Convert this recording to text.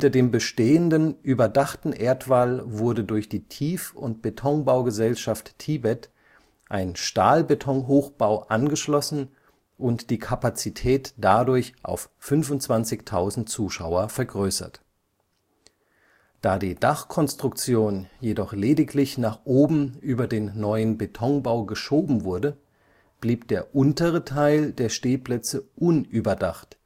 dem bestehenden überdachten Erdwall wurde durch die Tief - und Betonbaugesellschaft Tibet ein Stahlbetonhochbau angeschlossen und die Kapazität dadurch auf 25.000 Zuschauer vergrößert. Da die Dachkonstruktion jedoch lediglich nach oben über den neuen Betonbau geschoben wurde, blieb der untere Teil der Stehplätze unüberdacht